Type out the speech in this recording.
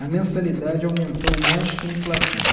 a mensalidade aumentou mais que inflação